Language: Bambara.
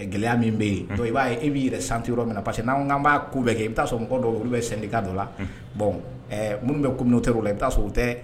Gɛlɛya min bɛ yen to b'a i b bɛi yɛrɛ santi yɔrɔ minna parce que' b'a ku bɛ kɛ i bɛ taaa n kɔ dɔ olu bɛ san dɔ la bɔn minnu bɛ ku tɛ la i taa o tɛ